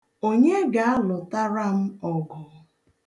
Onye ga-alụtara m ọgụ?